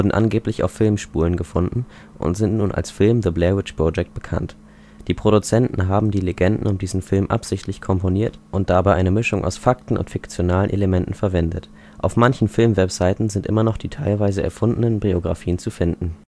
angeblich auf Filmspulen gefunden, verarbeitet und sind nun als Film „ The Blair Witch Project “bekannt. Die Produzenten haben die Legenden um diesen Film absichtlich komponiert und dabei eine Mischung aus Fakten und fiktionalen Elementen verwendet. Auf manchen Film-Webseiten sind immer noch die teilweise erfundenen Biografien zu finden